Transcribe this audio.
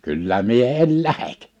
kyllä minä en lähde